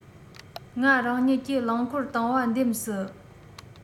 ང རང ཉིད ཀྱིས རླངས འཁོར བཏང བ འདེམས སྲིད